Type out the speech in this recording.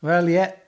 Wel, ie.